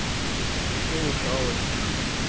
что усралась